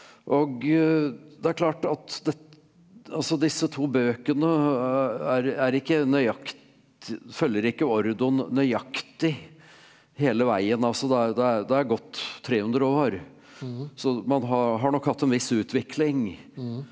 og det er klart at det altså disse to bøkene er er ikke nøyaktig følger ikke ordoen nøyaktig hele veien altså da det er det er gått 300 år så man har har nok hatt en viss utvikling.